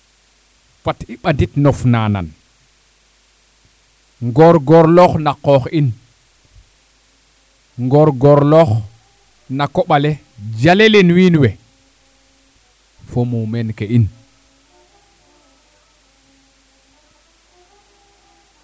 fat i ɓanit nof nanan ngoor ngorloox na qoox in ngoor ngoorloox na koɓale jale le wiin we fo mumeen ke in